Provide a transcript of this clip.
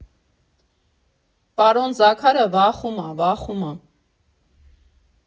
Պարոն Զաքարը վախում ա, վախում ա։